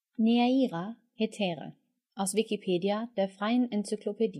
Neaira (Hetäre), aus Wikipedia, der freien Enzyklopädie